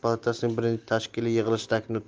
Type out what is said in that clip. palatasining birinchi tashkiliy yig'ilishidagi nutq